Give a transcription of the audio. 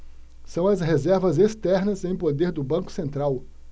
são as reservas externas em poder do banco central